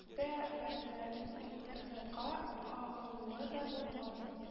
Дә, бәрәмнәрнең интернетка агылуы да булма